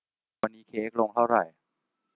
วันนี้เค้กลงเท่าไหร่